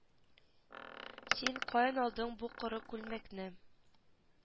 Син каян алдың бу коры күлмәкне